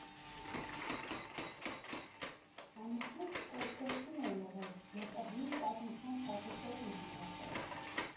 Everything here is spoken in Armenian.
Ամուսնուս կուրսեցին է եղել, ԵՊՀ֊ի Պատմության ֆակուլտետն են ավարտել։